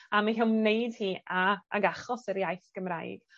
am eu hymwneud hi â ag achos yr iaith Gymraeg,